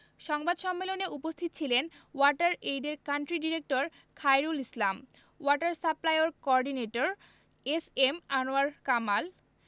সংবাদ সম্মেলনে উপস্থিত ছিলেন ওয়াটার এইডের country director Khairul Islam water সাপ্লাইর coordinator S M Anwar Kamal